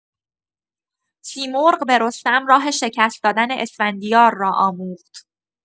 سیمرغ به رستم راه شکست‌دادن اسفندیار را آموخت.